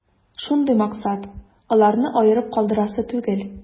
Шундый максат: аларны аерып калдырасы түгел.